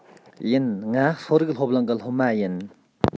ཡིན ང གསོ རིག སློབ གླིང གི སློབ མ ཡིན